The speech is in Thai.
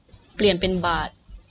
เปลี่ยนเป็นบาท